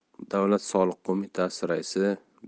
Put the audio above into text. davlat soliq qo'mitasi